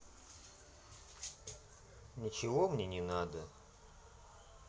ничего мне не надо